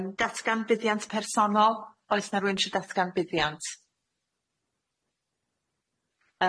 Yym datgan buddiant personol oes 'na rwun sho datgan buddiant?